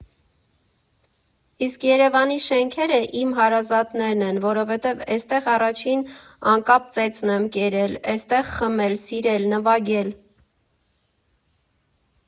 Իսկ Երևանի շենքերը իմ հարազատներն են, որովհետև էստեղ առաջին անկապ ծեծն եմ կերել, էստեղ՝ խմել, սիրել, նվագել։